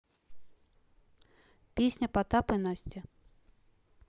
песня потап и настя